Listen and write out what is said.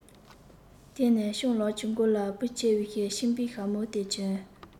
དེ ནས སྤྱང ལགས ཀྱི མགོ ལ བུ ཆེ བའི ཕྱིང པའི ཞྭ མོ དེ གྱོན